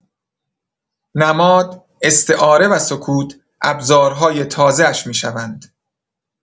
نماد، استعاره و سکوت، ابزارهای تازه‌اش می‌شوند.